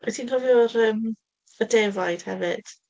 Wyt ti'n cofio'r, yym, y defaid hefyd?